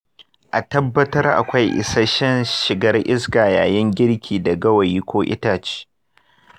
a tabbatar akwai isasshen shigar iska yayin girki da gawayi ko itace.